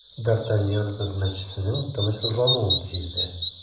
Д’Артаньян хезмәтчесенең тынычсызлануын сизде.